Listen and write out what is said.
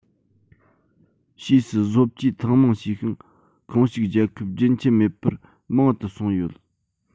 ཕྱིས སུ བཟོ བཅོས ཐེངས མང བྱས ཤིང ཁོངས ཞུགས རྒྱལ ཁབ རྒྱུན ཆད མེད པར མང དུ སོང ཡོད